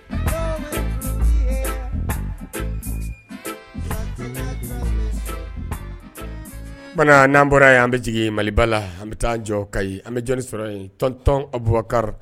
O tuma n'an bɔra yan an bɛ jigin Mali la an bɛ t'an jɔ kayi an bɛ jɔn de sɔrɔ in. Tonton Bukari.